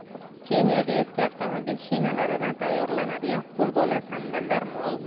keniyada eski avtomobil shinalaridan tayyorlanadigan qo'lbola sandallar